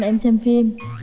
em xem phim